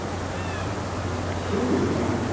живые фрукты